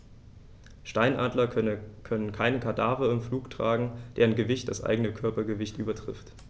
Steinadler können keine Kadaver im Flug tragen, deren Gewicht das eigene Körpergewicht übertrifft.